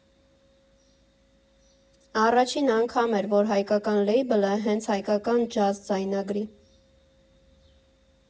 Առաջին անգամն էր, որ հայկական լեյբլը հենց հայկական ջազ ձայնագրի։